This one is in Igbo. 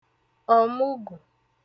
ọ̀mụgụ̀